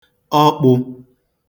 ọkpụ